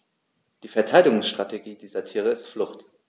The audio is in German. Die Verteidigungsstrategie dieser Tiere ist Flucht.